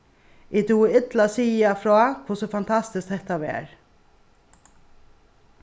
eg dugi illa at siga frá hvussu fantastiskt hetta var